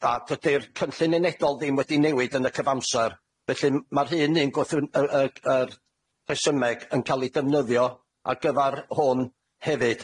a dydi'r cynllun unedol ddim wedi newid yn y cyfamser. Felly m- ma'r hun un gwrthw- yy yy yr rhesymeg yn ca'l 'i defnyddio ar gyfar hwn hefyd.